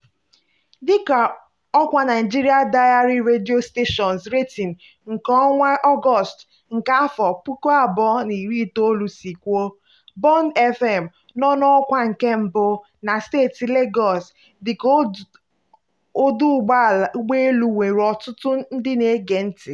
Dịka ọkwa Nigerian Diary Radio Stations Ratings nke ọnwa Ọgọst nke afọ 2019 si kwuo, Bond FM nọ n'ọkwa nke mbụ na steeti Lagos dịka ọdụ ụgbọelu nwere ọtụtụ ndị na-ege ntị.